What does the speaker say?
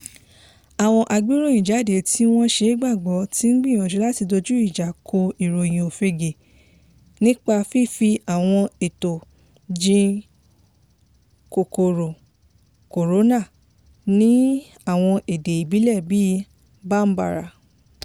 Àwọn agbéròyìnjáde tí wọ́n ṣeé gbàgbọ́ ti ń gbìyànjú láti dojú ìjà kọ ìròyìn òfegè nípa fífi àwọn ètò jin kòkòrò Kòrónà ní àwọn èdè ìbílẹ̀ bíi #bambara